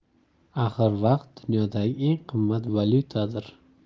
axir vaqt dunyodagi eng qimmat valyutadir